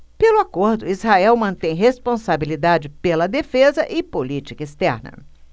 pelo acordo israel mantém responsabilidade pela defesa e política externa